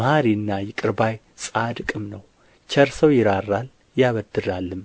መሓሪና ይቅር ባይ ጻድቅም ነው ቸር ሰው ይራራል ያበድራልም